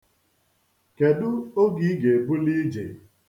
Kedụ oge ị ga-ebuli ije?